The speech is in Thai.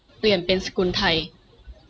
เปลี่ยนเป็นสกุลไทย